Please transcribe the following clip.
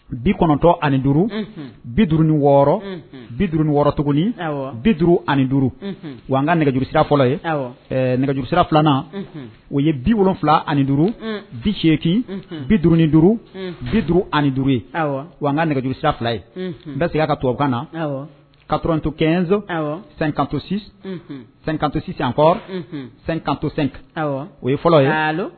Bi kɔnɔntɔn ani duuru bid ni wɔɔrɔ bid wɔɔrɔ tuguni bi duuru ani duuru u ka nɛgɛjurusira fɔlɔ ye nɛgɛjurusira filanan u ye bi wolon wolonwula ani duuru bi seeki bid duuru bi duuru ani duuru ye'an ka nɛgɛurusira fila ye n bɛ se ka to kan na ka tto kɛnɛnz san kantosi san kansi kɔrɔ san kansen o ye fɔlɔ ye